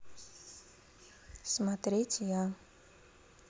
смотреть я